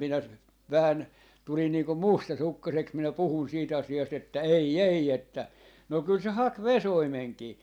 minä vähän tulin niin kuin mustasukkaiseksi minä puhuin siitä asiasta että ei ei että no kyllä se haki vesoimenkin